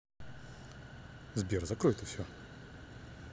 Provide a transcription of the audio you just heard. сбер закрой это все